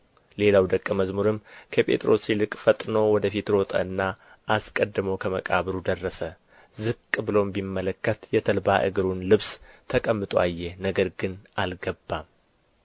ሌላው ደቀ መዝሙር ወጥተው ወደ መቃብሩ ሄዱ ሁለቱም አብረው ሮጡ ሌላው ደቀ መዝሙርም ከጴጥሮስ ይልቅ ፈጥኖ ወደ ፊት ሮጠና አስቀድሞ ከመቃብሩ ደረሰ ዝቅም ብሎ ቢመለከት የተልባ እግሩን ልብስ ተቀምጦ አየ ነገር ግን አልገባም